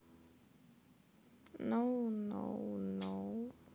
ноу ноу ноу